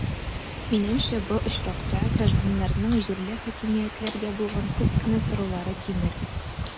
Минемчә, бу очракта гражданнарның җирле хакимиятләргә булган күп кенә сораулары кимер.